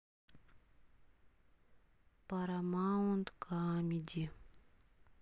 парамаунт камеди